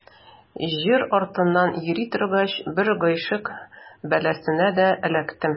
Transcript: Җыр артыннан йөри торгач, бер гыйшык бәласенә дә эләктем.